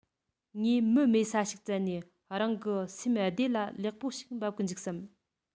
ངས མི མེད ས ཞིག བཙལ ནས རང གི སེམས བདེ ལ ལེགས པོ ཞིག འབབ ཀི འཇུག བསམ